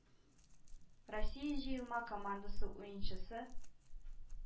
Россия җыелма командасы уенчысы,